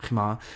chimod?